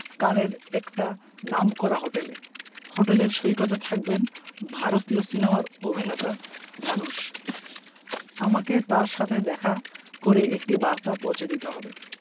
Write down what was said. কানের একটা নামকরা হোটেলে হোটেলের সৈকতে থাকবেন ভারতীয় সিনেমার অভিনেতা ধানুশ আমাকে তার সাথে দেখা করে একটি বার্তা পৌঁছে দিতে হবে